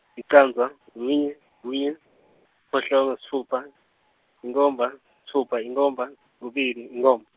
licandza kunye kunye, siphohlongo sitfupha inkhomba, sitfupha inkhomba kubili inkhomba.